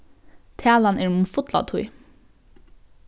talan er um fulla tíð